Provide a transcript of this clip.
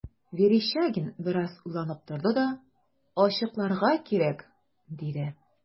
Верещагин бераз уйланып торды да: – Ачыкларга кирәк,– диде.